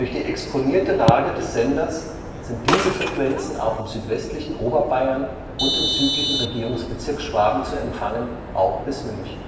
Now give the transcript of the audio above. die exponierte Lage des Senders sind diese Frequenzen auch im südwestlichen Oberbayern und im südlichen Regierungsbezirk Schwaben zu empfangen (auch bis München